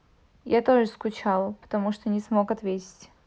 я тоже скучал потому что не мог ответить